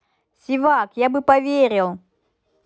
sevak я бы поверил